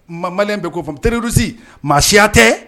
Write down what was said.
Ma bɛ koo fɔ terirrirusi maa siya tɛ